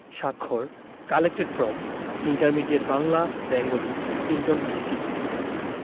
স্বাক্ষর collected from intermediate Bangla Bengali Clinton B Seely